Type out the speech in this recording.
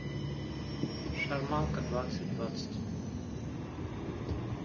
шарманка двадцать двадцать